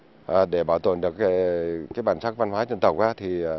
ờ để bảo tồn được ờ cái bản sắc văn hóa dân tộc á thì à